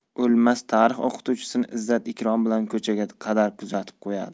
o'lmas tarix o'qituvchisini izzat ikrom bilan ko'chaga qadar kuzatib qo'yadi